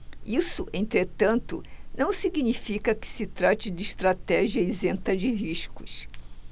isso entretanto não significa que se trate de estratégia isenta de riscos